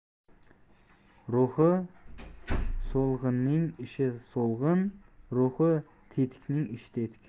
ruhi so'lg'inning ishi so'lg'in ruhi tetikning ishi tetik